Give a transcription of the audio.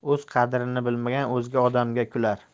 o'z qadrini bilmagan o'zga odamga kular